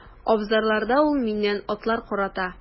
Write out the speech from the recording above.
Абзарларда ул миннән атлар карата.